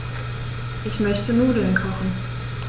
Ich möchte Nudeln kochen.